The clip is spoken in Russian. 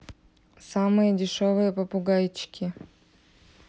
самые дешевые попугайчики